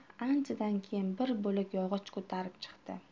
anchadan keyin bir bo'lak yog'och ko'tarib chiqdi